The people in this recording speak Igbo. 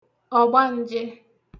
ọ̀gbanjē